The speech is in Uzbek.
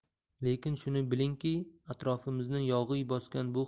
lekin shuni bilingki atrofimizni yog'iy bosgan bu